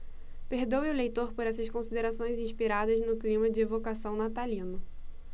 perdoe o leitor por essas considerações inspiradas no clima de evocação natalino